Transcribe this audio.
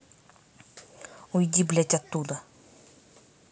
уйди блядь оттуда